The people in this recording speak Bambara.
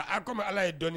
A comme Ala ye dɔnnin